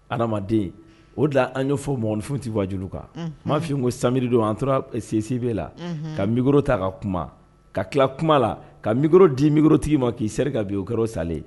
Adamaden o da an ye ɲɛfɔ mɔgɔnfin tɛ wajju kan m ma ffin ko saridon an tora sensi bɛ la ka miro ta ka kuma ka tila kuma la ka miro di miro tigi ma k'i seri ka bin o kɛra sale